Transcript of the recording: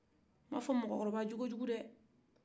n ma a fɔ ko mɔgɔkɔrɔba jokojugu dɛ